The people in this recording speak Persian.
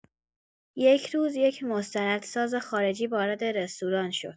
یک روز، یک مستندساز خارجی وارد رستوران شد.